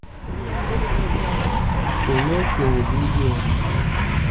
улетное видео